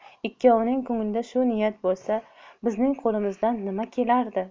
ikkovining ko'nglida shu niyat bo'lsa bizning qo'limizdan nima kelardi